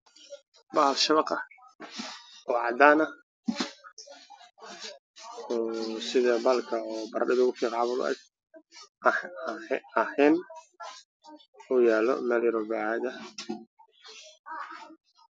Waa bahal shabaq ah oo cadaan